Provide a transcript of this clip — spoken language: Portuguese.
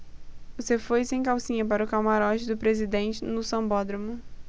você foi sem calcinha para o camarote do presidente no sambódromo